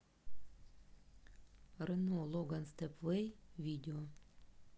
рено логан степвей видео